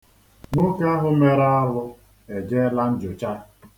Nowke ahu mere aru ejeela njucha.